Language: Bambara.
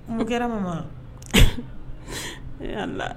Mun kɛra mama? Ee allah